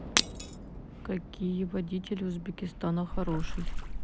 какие водители узбекистана хороший